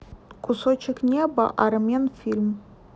кусочек неба арменфильм